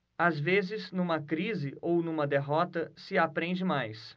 às vezes numa crise ou numa derrota se aprende mais